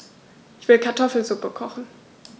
Ich will Kartoffelsuppe kochen.